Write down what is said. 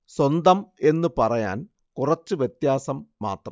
സ്വന്തം എന്നു പറയാന്‍ കുറച്ച് വ്യത്യാസം മാത്രം